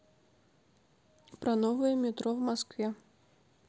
про новое метро в москве